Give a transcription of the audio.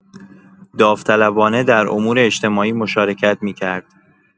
داوطلبانه در امور اجتماعی مشارکت می‌کرد.